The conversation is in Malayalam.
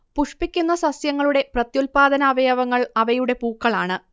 പുഷ്പിക്കുന്ന സസ്യങ്ങളുടെ പ്രത്യുല്പാദനാവയവങ്ങൾ അവയുടെ പൂക്കളാണ്